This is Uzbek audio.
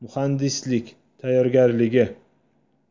muhandislik tayyorgarligi